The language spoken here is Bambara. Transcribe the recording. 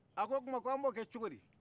a ko o tuma k'an b'o kɛ cogo di